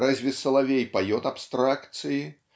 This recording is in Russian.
разве соловей поет абстракции